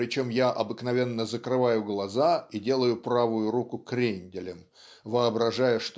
причем я обыкновенно закрываю глаза и делаю правую руку кренделем воображая